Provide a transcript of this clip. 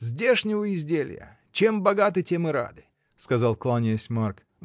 — Здешнего изделия: чем богаты, тем и рады! — сказал, кланяясь, Марк.